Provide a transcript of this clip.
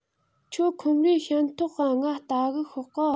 ཁྱོད ཁོམ རས ཞན ཐོག ག ངའ ལྟ གི ཤོག གོ